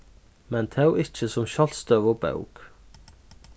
men tó ikki sum sjálvstøðug bók